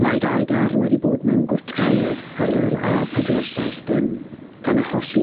Mae dau gar wedi bod mewn gwrthdrawiad ar yr a pedwar saith dim, gan achosi